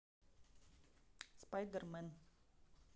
spider man